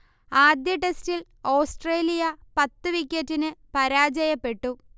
ആദ്യ ടെസ്റ്റിൽ ഓസ്ട്രേലിയ പത്ത് വിക്കറ്റിന് പരാജയപ്പെട്ടു